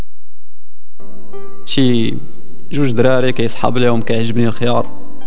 شيء اصحاب اليوم كازميه خيار